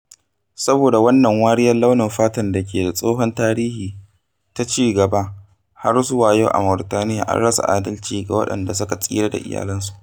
Saboda wannan wariyar launin fatar da ke da tsohon tarihi ta cigaba har zuwa yau a Mauritaniya, an rasa adalci ga waɗanda suka tsira da iyalansu.